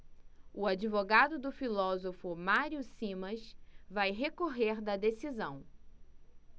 o advogado do filósofo mário simas vai recorrer da decisão